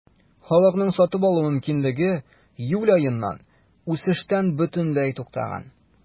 Халыкның сатып алу мөмкинлеге июль аеннан үсештән бөтенләй туктаган.